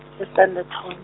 e- Standerton.